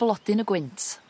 blodyn y gwynt